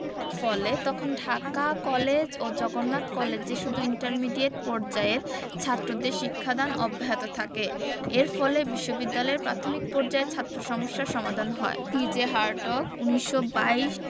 ফলে তখন ঢাকা কলেজ ও জগন্নাথ কলেজে শুধু ইন্টারমিডিয়েট পর্যায়ের ছাত্রদের শিক্ষাদান অব্যাহত থাকে এর ফলে বিশ্ববিদ্যালয়ের প্রাথমিক পর্যায়ে ছাত্র সমস্যার সমাধান হয় পি.জে হার্টগ ১৯২২